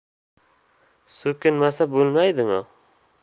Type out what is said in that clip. so'kinmasa bo'lmaydimi